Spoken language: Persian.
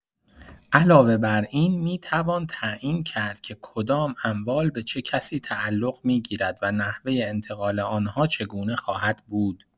علاوه‌بر این، می‌توان تعیین کرد که کدام اموال به چه کسی تعلق می‌گیرد و نحوه انتقال آن‌ها چگونه خواهد بود.